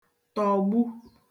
tọ̀gbu